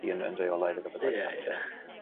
wici yn yn reolaidd ar gyfer gwaith cartre. Ie ie ie.